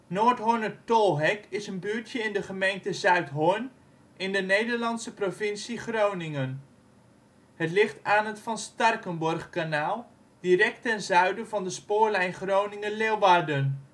Noordhornertolhek is een buurtje in de gemeente Zuidhorn in de Nederlandse provincie Groningen. Het ligt aan het van Starkenborghkanaal, direct ten zuiden van de spoorlijn Groningen - Leeuwarden